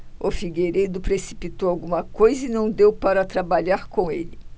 o figueiredo precipitou alguma coisa e não deu para trabalhar com ele